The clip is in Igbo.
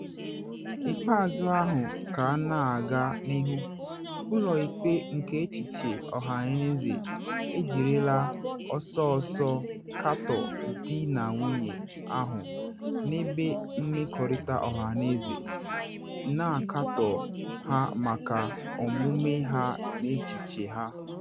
Ikpe ahụ ka na aga n’ihu, ụlọ ikpe nke echiche ọhaneze ejirila ọsọ ọsọ katọọ di na nwunye ahụ n’ebe mmerịkọta ọhaneze, na akatọ ha maka omume na echiche ha.